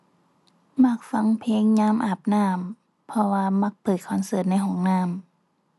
มักฟังเพลงยามอาบน้ำ เพราะว่ามักเปิดคอนเสิร์ตในห้องน้ำ